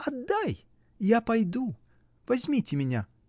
— Отдай: я пойду — возьмите меня!